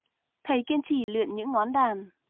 thầy kiên trì luyện những ngón đàn